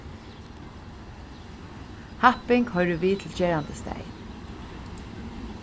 happing hoyrir við til gerandisdagin